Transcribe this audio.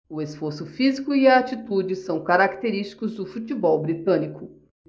o esforço físico e a atitude são característicos do futebol britânico